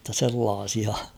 jotta sellaisia